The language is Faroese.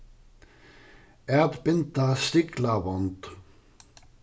at binda stiklavond